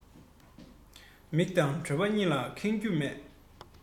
མིག དང གྲོད པ གཉིས ལ ཁེངས རྒྱུ མེད